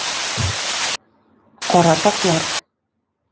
Кара таплар.